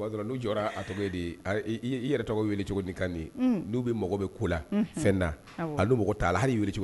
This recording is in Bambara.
Wa n'u jɔ a tɔgɔ ye de ye i yɛrɛ tɔgɔ wele cogo kan di ye n'u bɛ mɔgɔw bɛ ko la fɛnda a taa ahayi cogo